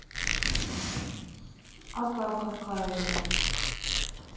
ага как я